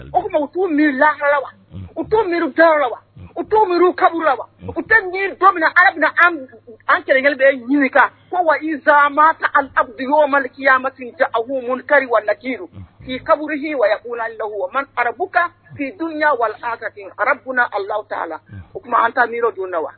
O tuma u to mi laha u to mi ta la u to mi kab la u tɛ don min a bɛna an kɛlɛ kelen bɛ ɲini wa yoma k mabuki kaburu u la la arabu dun ka arabu a la taa la u tuma an taa mi don la wa